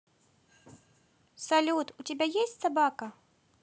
салют у тебя есть собака